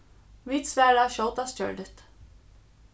vit svara skjótast gjørligt